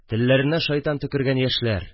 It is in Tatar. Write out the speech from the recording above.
Телләренә шайтан төкергән яшьләр